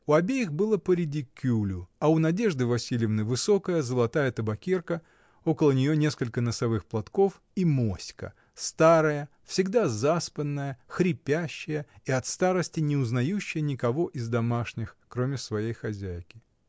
У обеих было по ридикюлю, а у Надежды Васильевны высокая золотая табакерка, около нее несколько носовых платков и моська, старая, всегда заспанная, хрипящая и от старости не узнающая никого из домашних, кроме своей хозяйки.